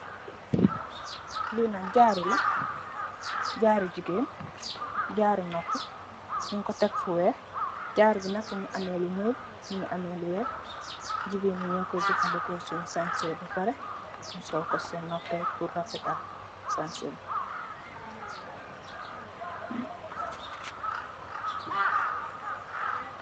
Li nak jaaro la, jaaro jigéen, jaaro nopu. Nung ko tekk fu weeh, jaaro bi nak, mungi ameh lu ñuul, mungi ameh lu weeh. Jigéen yi nyo koy jafadeko sunn sangseh bè parè sol ko senn nopu yi purr rafetal sangseh bi.